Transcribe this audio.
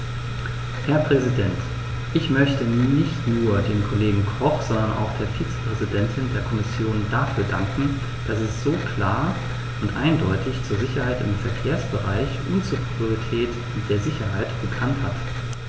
Herr Präsident, ich möchte nicht nur dem Kollegen Koch, sondern auch der Vizepräsidentin der Kommission dafür danken, dass sie sich so klar und eindeutig zur Sicherheit im Verkehrsbereich und zur Priorität der Sicherheit bekannt hat.